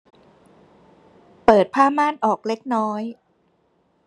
เปิดผ้าม่านออกเล็กน้อย